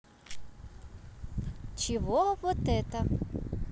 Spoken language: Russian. чего вот это